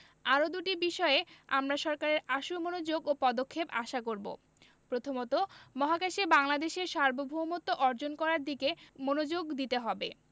আরও দুটি বিষয়ে আমরা সরকারের আশু মনোযোগ ও পদক্ষেপ আশা করব প্রথমত মহাকাশে বাংলাদেশের সার্বভৌমত্ব অর্জন করার দিকে মনোযোগ দিতে হবে